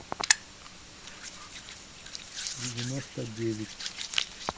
девяносто девять